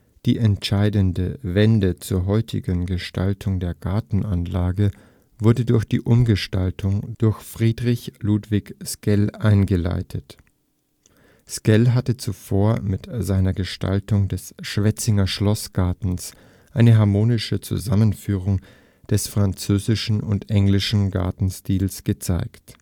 Die entscheidende Wende zur heutigen Gestalt der Gartenanlage wurde durch die Umgestaltung durch Friedrich Ludwig Sckell eingeleitet. Sckell hatte zuvor mit seiner Gestaltung des Schwetzinger Schlossgartens eine harmonische Zusammenführung des französischen und englischen Gartenstils gezeigt